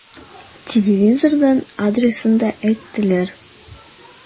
Телевизордан адресын да әйттеләр.